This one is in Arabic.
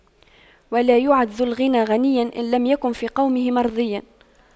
ولا يعد ذو الغنى غنيا إن لم يكن في قومه مرضيا